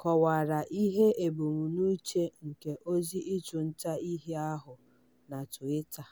kọwara ihe ebumnuche nke oziịchụntaihe ahụ na Twitter: